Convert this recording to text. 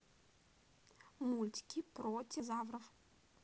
мультики про тиранозавров